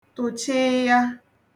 tụ̀chịịya